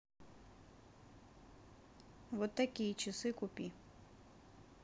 вот такие часы купи